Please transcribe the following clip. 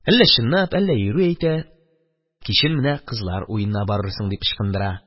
Әллә чынлап, әллә юри әйтә: кичен менә кызлар уенына барырсың, дип ычкындыра.